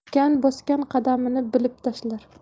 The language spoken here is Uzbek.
tikan bosgan qadamini bilib tashlar